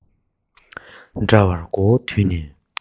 འདྲ བར མགོ བོ དུད ནས